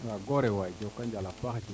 waaw goore waay joko njal a paax